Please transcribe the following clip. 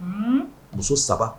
Muso saba